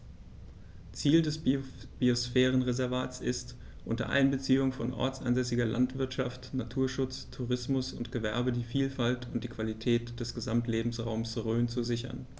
Ziel dieses Biosphärenreservates ist, unter Einbeziehung von ortsansässiger Landwirtschaft, Naturschutz, Tourismus und Gewerbe die Vielfalt und die Qualität des Gesamtlebensraumes Rhön zu sichern.